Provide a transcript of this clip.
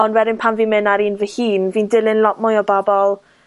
ond wedyn panfi'n myn' ar un fy hun, fi'n dilyn lot mwy o bobol